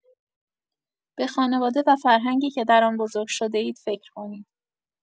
به خانواده و فرهنگی که در آن بزرگ شده‌اید فکر کنید.